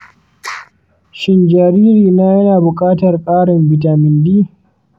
shin jaririna yana buƙatar ƙarin bitamin d?